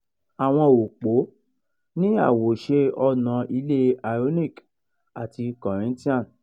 Àwọn òpó ní àwòṣe ọnà ilée ionic àti Corinthian.